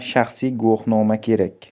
shaxsiy guvohnoma kerak